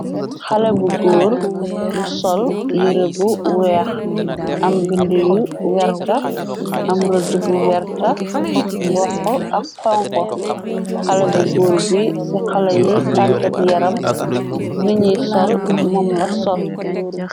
Xalèh bu gór bu sol yirèh bu wèèx am bindé yu werta, am reda bu werta, mboku ak xonxu. Xalèh bu gór bi ci xalèh yi tagat yaram liñi sol mom la sol.